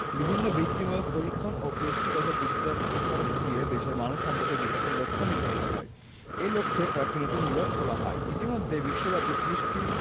বিভিন্ন বৃত্তিমূলক প্রশিক্ষণ ও প্রযুক্তিগত বিদ্যার প্রসার ঘটিয়ে দেশের মানব সম্পদের বিকাশের লক্ষ্য নির্ধারিত হয় এ লক্ষ্যে কয়েকটি নতুন বিভাগ খোলা হয় ইতোমধ্যে বিশ্বব্যাপী ত্রিশটি